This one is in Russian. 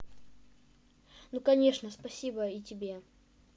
ну конечно спасибо и тебе